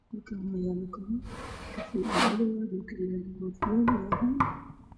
Hal kaan waxaa yaalo kabo kafee iyo madow ah